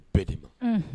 Bɛɛ de ma